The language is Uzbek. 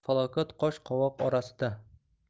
falokat qosh qovoq orasida